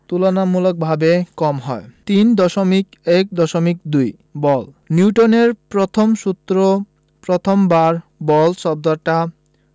তুলনামূলকভাবে কম হয় ৩.১.২ বল নিউটনের প্রথম সূত্রে প্রথমবার বল শব্দটা